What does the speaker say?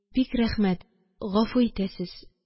– бик рәхмәт, гафу итәсез,